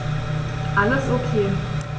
Alles OK.